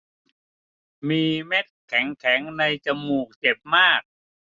มีเม็ดแข็งแข็งในจมูกเจ็บมาก